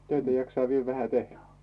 töitä jaksaa vielä vähän tehdä